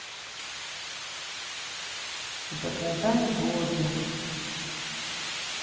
заказать бургер